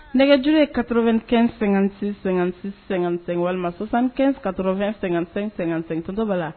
Nɛgɛj ye katooro2-ɛn-----sɛ walima sisansan kɛnɛn-katoro2---ttoba la